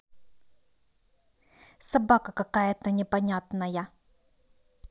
собака какая то непонятная